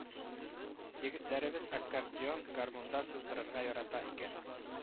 Егетләребез аккордеон, гармунда сыздырырга ярата икән